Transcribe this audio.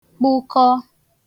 kpụkọ